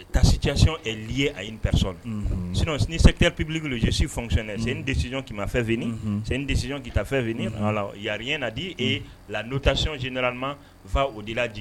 Taasicsiyɔnliye a yeresi ssɛte ppibililijɛsi fansen sen desiɔnkima fɛnfini sen desiɔn kita fɛnf la yari na die lao tasiyonsi nanama u' o de laji